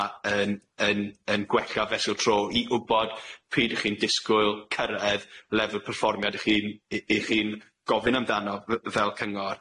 a yn yn yn gwella fesul tro i wbod pryd 'ych chi'n disgwyl cyrredd lefel perfformiad 'ych chi'n 'ych chi'n gofyn amdano f- fel cyngor.